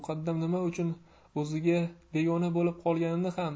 muqaddam nima uchun o'ziga begona bo'lib qolganini ham